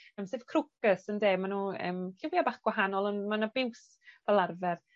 Yym sef crocus ynde? Ma' nw yym lliwie bach gwahanol yym ma' 'na biws fel arfer